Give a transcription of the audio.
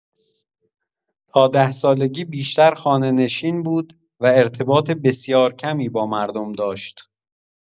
تا ده‌سالگی بیشتر خانه‌نشین بود و ارتباط بسیار کمی با مردم داشت.